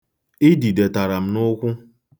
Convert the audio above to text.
Idide tara m n'ụkwụ.